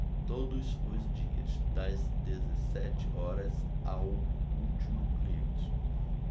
todos os dias das dezessete horas ao último cliente